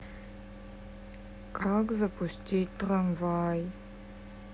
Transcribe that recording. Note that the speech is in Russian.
как запустить трамвай